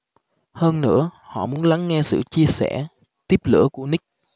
hơn nữa họ muốn lắng nghe sự chia sẻ tiếp lửa của nick